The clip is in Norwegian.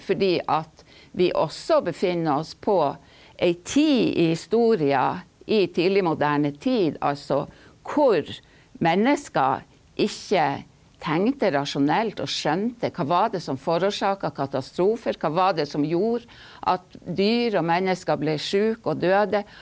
fordi at vi også befinner oss på ei tid i historia, i tidlig moderne tid altså, hvor mennesker ikke tenkte rasjonelt og skjønte hva var det som forårsaka katastrofer, hva var det som gjorde at dyr og mennesker blei sjuke og døde?